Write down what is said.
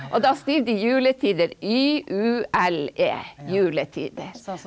og da skriver de juletider Y U L E, .